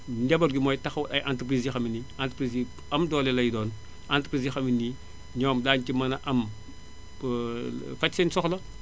njaboot gi mooy taxawal ay entreprises yoo xam ne ni entreprise yu am doole lay doon entreprise yoo xam ne nii ñoom daañu ci mën a am faj seen soxla